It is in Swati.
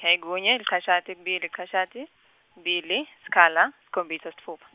kunye, licashata, kubili, licashata, kubili, sikhala, sikhombisa, sitfupha.